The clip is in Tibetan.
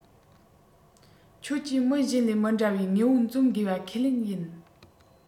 ཁྱོད ཀྱིས མི གཞན ལས མི འདྲ བའི དངོས པོ འཛོམས དགོས པ ཁས ལེན ཡིན